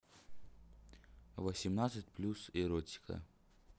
восемнадцать плюс эротика